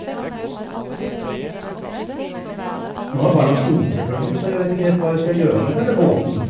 Nå er barna store, selvfølgelig, så jeg vet ikke helt hva jeg skal gjøre med denne båten.